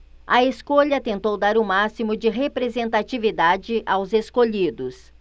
a escolha tentou dar o máximo de representatividade aos escolhidos